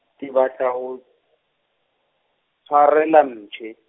ke batla ho o, tshwarela mpshe.